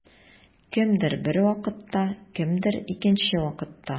Кемдер бер вакытта, кемдер икенче вакытта.